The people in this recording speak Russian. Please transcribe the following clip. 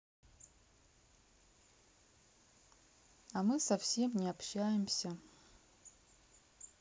а мы совсем не общаемся